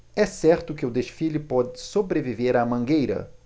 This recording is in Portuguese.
é certo que o desfile pode sobreviver à mangueira